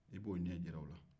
i b'o ɲɛ jira u la